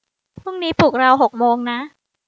พรุ่งนี้ปลุกเราหกโมงนะ